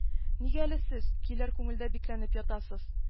Нигә әле сез, көйләр, күңелдә бикләнеп ятасыз